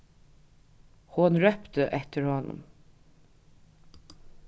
hon rópti eftir honum